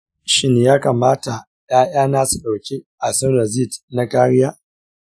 shin ya kamata ƴaƴana su ɗauki isoniazid na kariya?